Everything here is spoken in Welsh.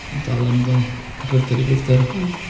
yndo? O y gryfder i gryfder. Hmm.